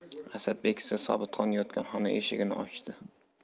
asadbek esa sobitxon yotgan xona eshigini ochdi